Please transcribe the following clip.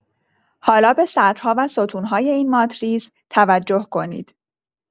حالا به سطرها و ستون‌های این ماتریس توجه کنید.